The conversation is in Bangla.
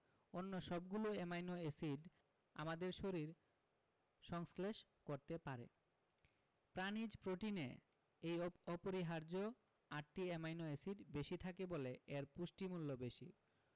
অন্য সবগুলো অ্যামাইনো এসিড আমাদের শরীর সংশ্লেষ করতে পারে প্রাণিজ প্রোটিনে এই অপ অপরিহার্য আটটি অ্যামাইনো এসিড বেশি থাকে বলে এর পুষ্টিমূল্য বেশি